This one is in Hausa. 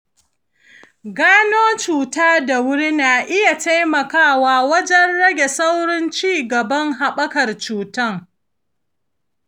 gano cuta da wuri na iya taimakawa wajen rage saurin cigaban haɓakar cuta.